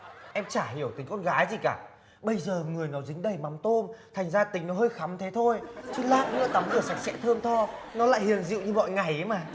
em chả hiểu tính con gái gì cả bây giờ người nó dính đầy mắm tôm thành ra tính hơi khắm thế thôi chứ lát nữa tắm rửa sạch sẽ thơm tho nó lại hiền dịu như mọi ngày ý mà